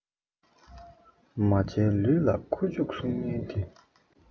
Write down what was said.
རྨ བྱའི ལུས ལ ཁུ བྱུག གསུང སྙན འདི